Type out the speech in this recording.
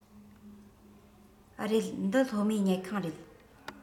རེད འདི སློབ མའི ཉལ ཁང རེད